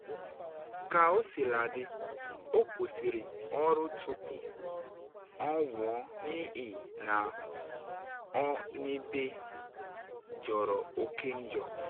Kaosiladị, ọ kwụsịrị ọrụ tupu ọ nwụọ, n’ihi na ọ “n’ebe jọrọ oke njọ.”